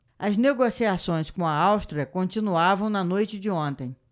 as negociações com a áustria continuavam na noite de ontem